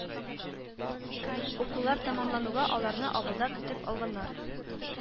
Укулар тәмамлануга аларны авылда көтеп алганнар